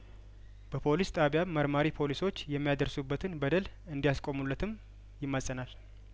በፖሊስ ጣቢያም መርማሪ ፖሊሶች የሚያደርሱበትን በደል እንዲያስቆሙለትም ይማጸናል